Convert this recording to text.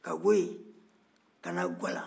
ka bɔ yen ka na guwalan